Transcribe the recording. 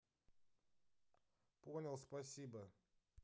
понял спасибо